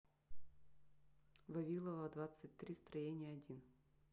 вавилова двадцать три строение один